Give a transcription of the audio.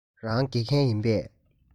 རང དགེ རྒན ཡིན པས